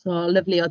So, lyfli, oedd...